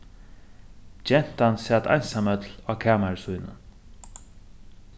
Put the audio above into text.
gentan sat einsamøll á kamari sínum